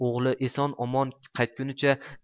o'g'li eson omon qaytgunicha